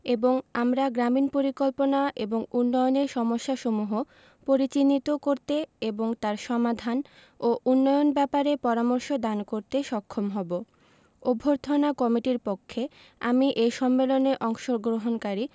এবং আমরা গ্রামীন পরিকল্পনা এবং উন্নয়নের সমস্যাসমূহ পরিচিহ্নিত করতে এবং তার সমাধান ও উন্নয়ন ব্যাপারে পরামর্শ দান করতে সক্ষম হবো অভ্যর্থনা কমিটির পক্ষে আমি এই সম্মেলনে অংশগ্রহণকারী